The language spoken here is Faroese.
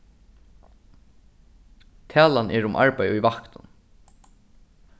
talan er um arbeiði í vaktum